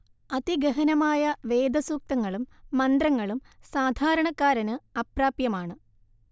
അതിഗഹനമായ വേദസുക്തങ്ങളും മന്ത്രങ്ങളും സാധാരണക്കാരന് അപ്രാപ്യമാണ്